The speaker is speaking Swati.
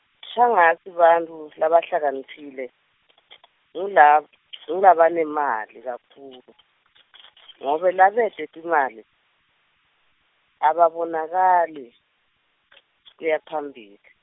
shengatsi bantfu labahlakaniphile , ngula ngulabanemali kakhulu ngobe labate timali ababonakali kuya embili.